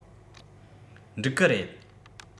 འགྲིག གི རེད